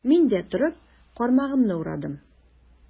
Мин дә, торып, кармагымны урадым.